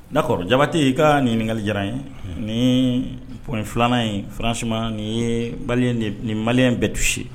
N kɔrɔ jabate i ka nin ɲininkakali diyara ye nin p filanan in fransi nin ye nin mali bɛɛtu se